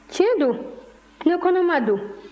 tiɲɛ don ne kɔnɔma don